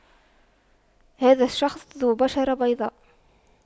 هذا الشخص ذو بشرة بيضاء